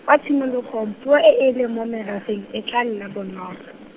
kwa tshimologong, puo e e leng mo merafeng, e tla nna bonolo.